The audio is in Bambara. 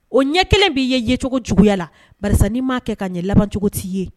O ɲɛ kelen bɛ ye yecogo juguya la karisa ni m'a kɛ ka ɲɛ labancogo' ye